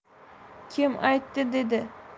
kim aytdi dedi